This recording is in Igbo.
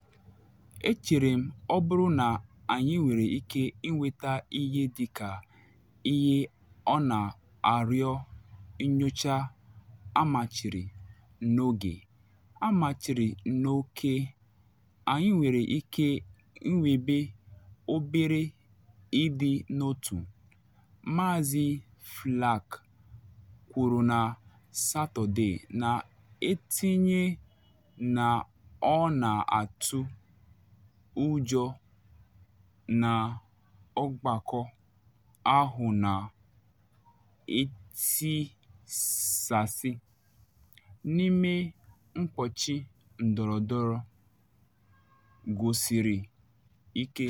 “Echere m, ọ bụrụ na anyị nwere ike ịnweta ihe dị ka ihe ọ na arịọ - nyocha amachiri n’oge, amachiri n’oke - anyị nwere ike iwete obere ịdị n’otu,” Maazị Flake kwuru na Satọde, na etinye na ọ na atụ ụjọ na ọgbakọ ahụ na “etisasi” n’ime mkpọchi ndọrọndọrọ gozusiri ike.